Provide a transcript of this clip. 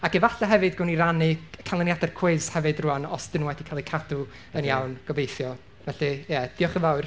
Ac efalla hefyd gawn ni rannu canlyniadau'r cwis hefyd rŵan, os dyn nhw wedi cael eu cadw yn iawn... ie. ...gobeithio. Felly, ie, diolch yn fawr.